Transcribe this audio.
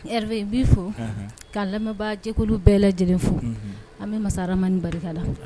Hɛriwe, n bi fo , ka lamɛnbaa jɛkulu bɛɛ lajɛlen fo, an bɛ masa rahmani barika da.